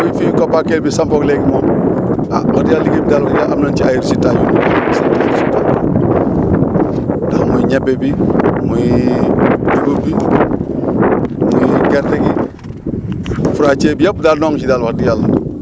bi fi COPACEL bi samoog léegi moom ah wax dëgg yàlla liggéey bi daal wax dëgg yàlla am nañ ci ay résultats ndax muy ñebe bi muy dugub bi muy gerte gi fourager bi yëpp daal ñoo ngi si daal wax dëgg yàlla